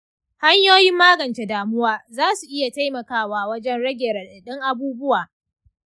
hanyoyin magance damuwa za su iya taimakawa wajen rage radadin abubuwa.